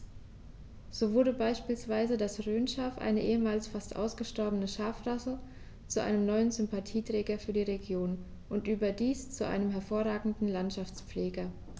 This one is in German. So wurde beispielsweise das Rhönschaf, eine ehemals fast ausgestorbene Schafrasse, zu einem neuen Sympathieträger für die Region – und überdies zu einem hervorragenden Landschaftspfleger.